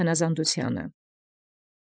Մատուցանէր։